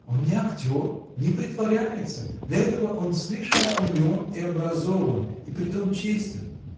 Он не актер, не притворяется: для этого он слишком умен и образован и притом честен.